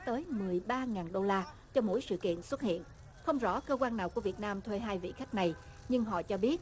tới mười ba ngàn đô la cho mỗi sự kiện xuất hiện không rõ cơ quan nào của việt nam thuê hai vị khách này nhưng họ cho biết